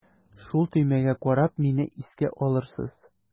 Шул төймәгә карап мине искә алырсыз.